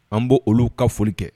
An b' olu ka foli kɛ